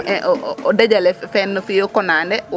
o o dajale fen fiyo konande